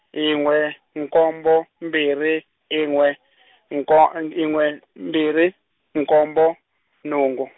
yin'we nkombo mbirhi yin'we nko- yin'we mbirhi nkombo, nhungu.